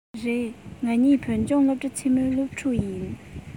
རེད ང གཉིས བོད ལྗོངས སློབ གྲ ཆེན མོའི སློབ ཕྲུག ཡིན